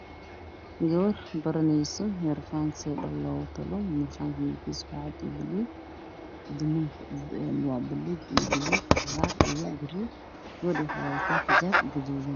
Waa gabar baraneyso harqaan. Harqaanka midabkiisu waa cadaan iyo buluug, dunto waa buluug, cagaar, gaduud, garee, gabadhu waxay wadataa xijaab gaduudan.